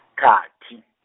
khathi.